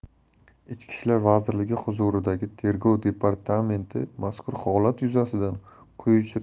ichki ishlar vazirligi huzuridagi tergov departamentimazkur holat yuzasidan quyi